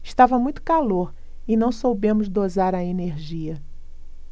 estava muito calor e não soubemos dosar a energia